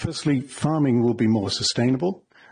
Firstly, farming will be more sustainable.